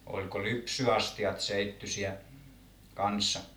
oliko lypsyastiat seittyisiä kanssa